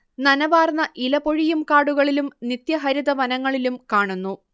നനവാർന്ന ഇലപൊഴിയും കാടുകളിലും നിത്യഹരിതവനങ്ങളിലും കാണുന്നു